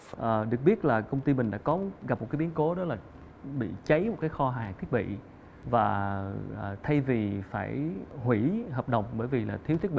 à được biết là công ty bình đã có gặp một biến cố đó là bị cháy kho hàng thiết bị và thay vì phải hủy hợp đồng mới vì thiếu thiết bị